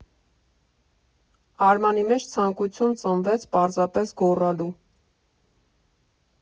Արմանի մեջ ցանկություն ծնվեց պարզապես գոռալու։